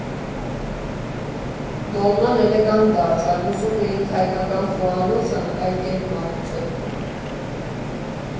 Դոլման էլեգանտ դարձավ, ուզում էինք հայկական խոհանոցն այդ կերպ մատուցել։